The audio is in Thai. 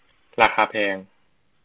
ราคาแพง